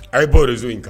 A ye bawz in kan